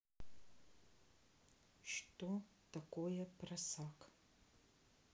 что такое просак